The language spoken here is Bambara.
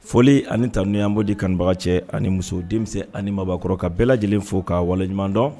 Foli ani taaniuyabo de kanbaga cɛ ani muso denmisɛnnin ani mabɔkɔrɔ ka bɛɛ lajɛlen fo ka waleɲuman dɔn